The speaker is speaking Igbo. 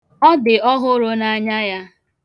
Ọ dị ọhụrụ n'anya ya.